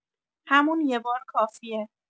همون یه بار کافیه